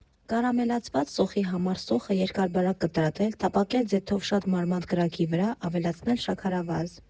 Կարամելացված սոխի համար սոխը երկար֊բարակ կտրատել, տապակել ձեթով շատ մարմանդ կրակկի վրա, ավելացնել շաքարավազ։